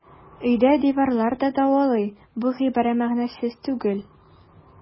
Өйдә диварлар да дәвалый - бу гыйбарә мәгънәсез түгел.